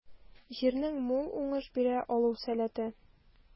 Җирнең мул уңыш бирә алу сәләте.